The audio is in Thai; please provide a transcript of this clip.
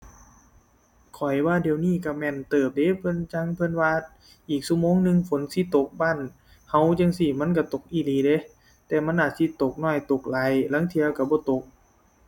ข้อยว่าเดี๋ยวนี้ก็แม่นเติบเดะ เพิ่นจั่งเพิ่นว่าอีกชั่วโมงหนึ่ง ฝนสิตกบ้านก็จั่งซี้ มันก็ตกอีหลีเดะ แต่มันอาจสิตกน้อย ตกหลาย ลางเทื่อก็บ่ตก